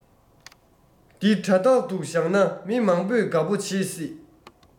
འདི དྲ ཐོག དུ ཞག ན མི མང པོས དགའ པོ བྱེད སྲིས